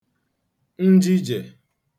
njijè